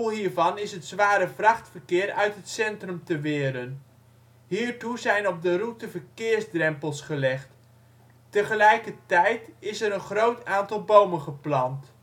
hiervan is het (zware) vrachtverkeer uit het centrum te weren. Hiertoe zijn op de route verkeersdrempels gelegd. Tegelijkertijd is er een groot aantal bomen geplant